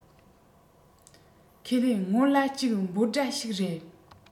ཁས ལེན སྔོན ལ གཅིག འབོད སྒྲ ཞིག རེད